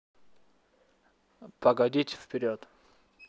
погодить вперед